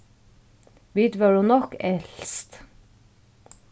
vit vóru nokk elst